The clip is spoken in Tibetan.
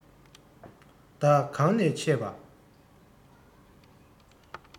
བདག གང ནས ཆས པ